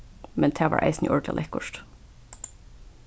men tað var eisini ordiliga lekkurt